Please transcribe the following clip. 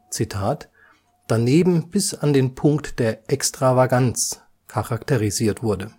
Straßen als „ daneben bis an den Punkt der Extravaganz “charakterisiert wurde